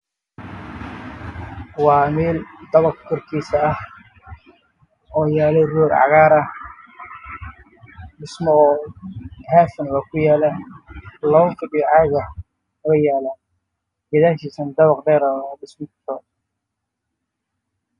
Waa meel banaan oo cagaar ah waana maqaayad